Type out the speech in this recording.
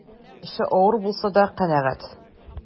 Эше авыр булса да канәгать.